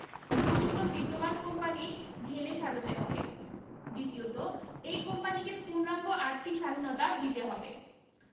সে জন্য বিদ্যমান কোম্পানি ঢেলে সাজাতে হবে দ্বিতীয়ত এই কোম্পানিকে পূর্ণাঙ্গ আর্থিক স্বাধীনতা দিতে হবে